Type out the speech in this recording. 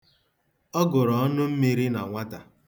Ọ gụrụ ọnụmmiri na nwata.